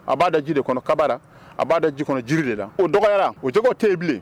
A b'a da ji de kɔnɔ kababarara a b'a da ji kɔnɔ jiri de la o dɔgɔyara o cogo tɛ yen bilen